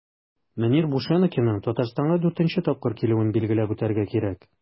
Мөнир Бушенакиның Татарстанга 4 нче тапкыр килүен билгеләп үтәргә кирәк.